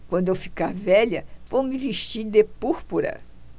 quando eu ficar velha vou me vestir de púrpura